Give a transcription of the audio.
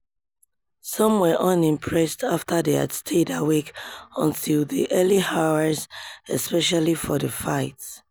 Some were unimpressed after they had stayed awake until the early hours especially for the fight.